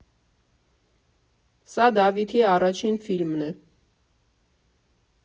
Սա Դավիթի առաջին ֆիլմն է.